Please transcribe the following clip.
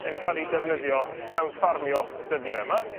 yn ca'l 'u defnyddio mewn ffarmio dyddie yma